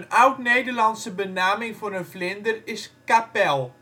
oud-Nederlandse benaming voor een vlinder is " kapel